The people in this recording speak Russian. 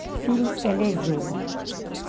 фильм элизиум